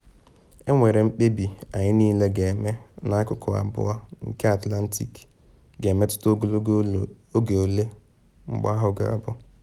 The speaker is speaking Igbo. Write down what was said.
Enwere mkpebi anyị niile ga-eme n’akụkụ abụọ nke Atlantik ga-emetụta ogologo oge ole mgba ahụ ga-abụ.